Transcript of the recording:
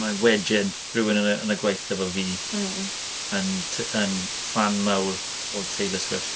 Mae wejen rywun yn y yn y gwaith efo fi... Mm. ...yn t- yn ffan mawr o Taylor Swift.